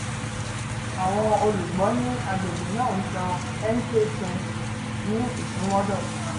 Àwọn olùgbọ́ ní agbègbè náà ń san MK20 (ní ìsúnmọ́dọ̀.